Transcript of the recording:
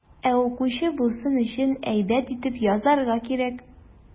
Ә укучы булсын өчен, әйбәт итеп язарга кирәк.